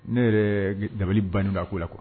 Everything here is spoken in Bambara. Ne yɛrɛ dabaliban don a ko la kuwa